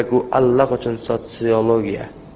demak u allaqachon sotsiologiya